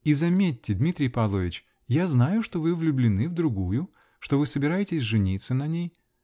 И заметьте, Дмитрий Павлович, я знаю, что вы влюблены в другую, что вы собираетесь жениться на ней.